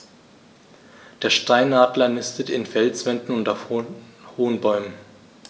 Der Steinadler nistet in Felswänden und auf hohen Bäumen.